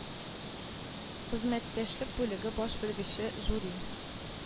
Хезмәттәшлек бүлеге баш белгече, жюри